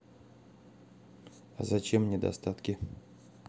а зачем недостатки